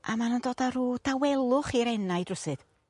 a ma' nw'n dod â rw dawelwch i'r enaid rwsud.